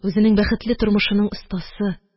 Үзенең бәхетле тормышының остасы,